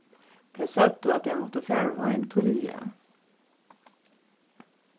tey søgdu at tey máttu fara heim tíðliga